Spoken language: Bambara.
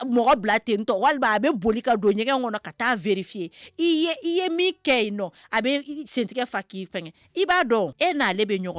Mɔgɔ bila ten tɔ walima a bɛ boli ka don ɲɛgɛn kɔnɔ ka ta'a vérifier i ye min kɛ yen nɔ, a bɛ sentɛgɛ fa k'i fɛngɛ, i b'a dɔn e n'ale bɛ ɲɔgɔn